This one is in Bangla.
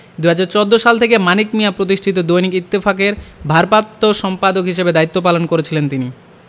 ২০১৪ সাল থেকে মানিক মিঞা প্রতিষ্ঠিত দৈনিক ইত্তেফাকের ভারপাপ্ত সম্পাদক হিসেবে দায়িত্ব পালন করছিলেন তিনি